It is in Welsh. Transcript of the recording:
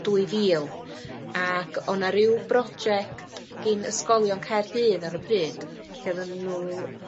dwy fil ac o'n na ryw broject gin ysgolion Caerdydd ar y pryd, lle oddan nw